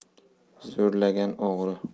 zo'rlagan o'g'ri